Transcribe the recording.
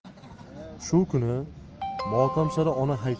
shu kuni motamsaro ona